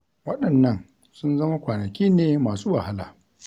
Waɗannan sun zama kwanaki ne masu wahala.